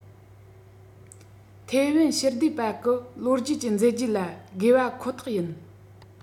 ཐའེ ཝན ཕྱིར བསྡུས པ གི ལོ རྒྱུས ཀྱི མཛད རྗེས ལ དགོས པ ཁོ ཐག ཡིན